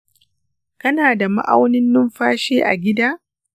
kana da ma'aunin numfashi a gida?